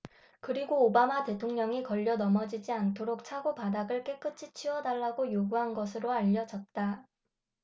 그리고 오바마 대통령이 걸려 넘어지지 않도록 차고 바닥을 깨끗이 치워달라고 요구한 것으로 알려졌다